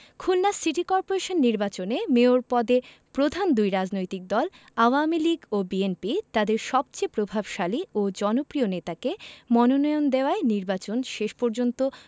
Khulna city corporation নির্বাচনে mayor পদে প্রধান দুই রাজনৈতিক দল আওয়ামী লীগ ও বিএনপি তাদের সবচেয়ে প্রভাবশালী ও জনপ্রিয় নেতাকে মনোনয়ন দেওয়ায় নির্বাচন শেষ পর্যন্ত